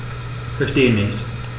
Verstehe nicht.